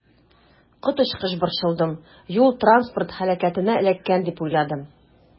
Коточкыч борчылдым, юл-транспорт һәлакәтенә эләккән дип уйладым.